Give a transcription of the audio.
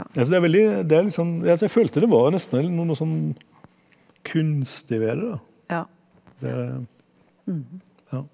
altså det er veldig det er liksom ja altså jeg følte det var nesten noe eller noe sånn kunstig ved det da det ja.